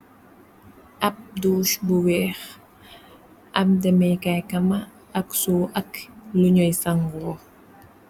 Ab douch bu weex, ab dameykaaykama ak suw ak luñuy sangoo.